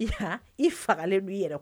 I i fagalen' i yɛrɛ